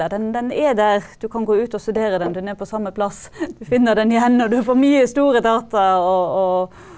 den den er der, du kan gå ut og studere den, den er på samme plass, du finner den igjen når du har for mye store data og og.